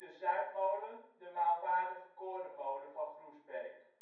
Zuidmolen, de maalvaardige korenmolen van Groesbeek